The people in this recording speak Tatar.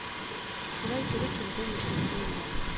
Шулай туры килде нишлисең инде